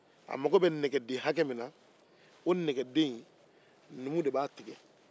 a mago bɛ nɛgɛden hakɛ min na numukɛ de b'a tigɛ